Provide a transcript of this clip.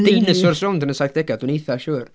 Deinosors rownd yn y saithdegau dwi'n eitha siŵr.